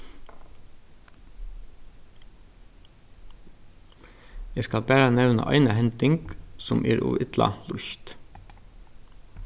eg skal bara nevna eina hending sum er ov illa lýst